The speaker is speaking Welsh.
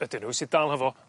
ydyn n'w sydd dal hefo